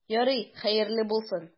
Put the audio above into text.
Ярый, хәерле булсын.